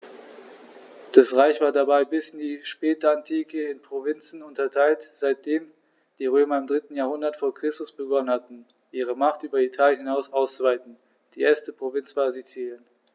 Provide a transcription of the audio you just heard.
Das Reich war dabei bis in die Spätantike in Provinzen unterteilt, seitdem die Römer im 3. Jahrhundert vor Christus begonnen hatten, ihre Macht über Italien hinaus auszuweiten (die erste Provinz war Sizilien).